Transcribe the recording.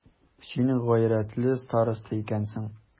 Син гайрәтле староста икәнсең.